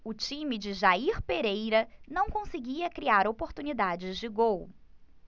o time de jair pereira não conseguia criar oportunidades de gol